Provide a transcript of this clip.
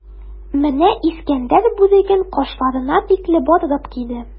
Менә Искәндәр бүреген кашларына тикле батырып киде.